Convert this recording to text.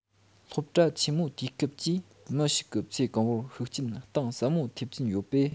སློབ གྲྭ ཆེན མོའི དུས སྐབས ཀྱིས མི ཞིག གི ཚེ གང པོར ཤུགས རྐྱེན གཏིང ཟབ མོ ཐེབས ཀྱིན ཡོད པས